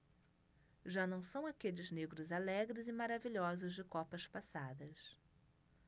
já não são aqueles negros alegres e maravilhosos de copas passadas